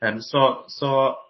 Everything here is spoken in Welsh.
Yym so so